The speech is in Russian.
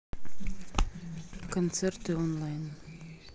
концерты онлайн